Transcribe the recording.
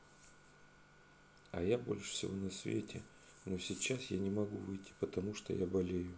а я больше всего на свете но сейчас я не могу выйти потому что я болею